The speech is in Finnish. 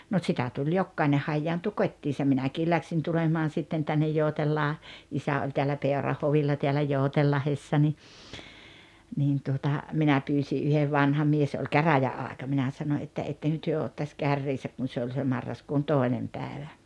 no sitä tuli jokainen hajaantui kotiinsa minäkin lähdin tulemaan sitten tänne - isä oli täällä Peuranhovilla täällä Joutsenlahdessa niin niin tuota minä pyysin yhden vanha mies oli käräjäaika minä sanoi että ettekö te ottaisi kärriinsä kun se oli se marraskuun toinen päivä